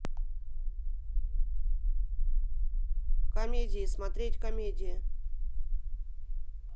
комедии смотреть комедии